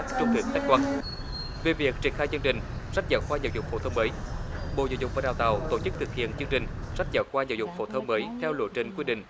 trung thực khách quan về việc triển khai chương trình sách giáo khoa giáo dục phổ thông mới bộ giáo dục và đào tạo tổ chức thực hiện chương trình sách giáo khoa giáo dục phổ thông mới theo lộ trình quy định